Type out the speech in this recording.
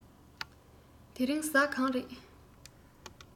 དེ རིང གཟའ གང རས